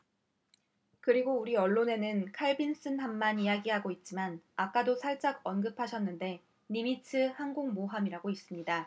그리고 우리 언론에는 칼빈슨함만 이야기를 하고 있지만 아까 도 살짝 언급을 하셨는데 니미츠 항공모함이라고 있습니다